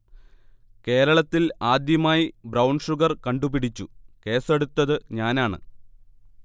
കേരളത്തിൽ ആദ്യമായി 'brown sugar' കണ്ടുപിടിച്ചു, കേസ്സെടുത്തത് ഞാനാണ്